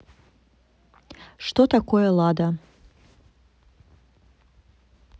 что такое лада